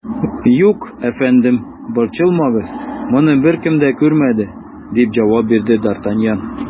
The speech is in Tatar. Юк, әфәндем, борчылмагыз, моны беркем дә күрмәде, - дип җавап бирде д ’ Артаньян.